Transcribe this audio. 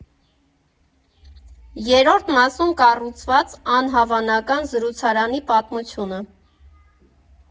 Երրորդ մասում կառուցված անհավանական զրուցարանի պատմությունը։